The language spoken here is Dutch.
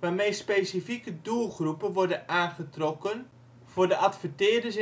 waarmee specifieke doelgroepen worden aangetrokken voor de adverteerders